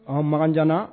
H makan janana